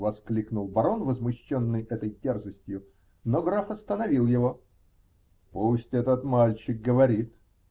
-- воскликнул барон, возмущенный этой дерзостью, но граф остановил его: -- Пусть этот мальчик говорит.